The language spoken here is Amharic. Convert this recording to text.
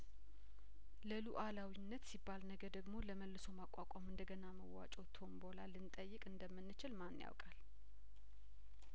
ለሉአላዊነት ሲባል ነገ ደግሞ ለመልሶ ማቋቋም እንደገና መዋጮ ቶንቦላ ልንጠየቅ እንደምንችል ማን ያውቃል